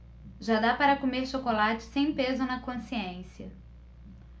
já dá para comer chocolate sem peso na consciência